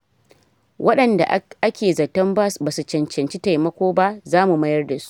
Waɗanda ake zaton ba su cancanci taimako ba za mu mayar da su.